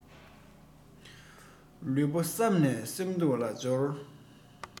ལུས པོ བསམས ན སེམས སྡུག ལ སྦྱོར